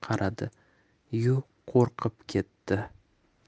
qaradi yu qo'rqib ketdi